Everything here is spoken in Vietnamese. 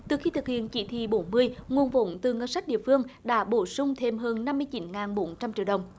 từ khi thực hiện chỉ thị bốn mươi nguồn vốn từ ngân sách địa phương đã bổ sung thêm hơn năm mươi chín ngàn bốn trăm triệu đồng